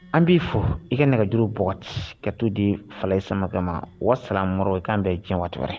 An b'i fɔ i ka nɛgɛjuruɔgɔti kato di fara ye samamakɛ ma wasa m i kan bɛn diɲɛ wa wɛrɛ